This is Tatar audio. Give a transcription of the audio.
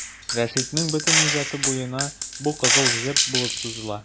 Рәшитнең бөтен иҗаты буена бу кызыл җеп булып сузыла.